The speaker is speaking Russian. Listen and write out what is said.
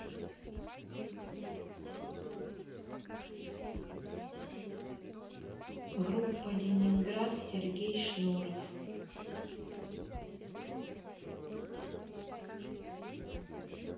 группа ленинград сергей шнуров